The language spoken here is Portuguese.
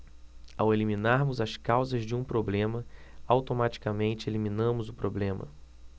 ao eliminarmos as causas de um problema automaticamente eliminamos o problema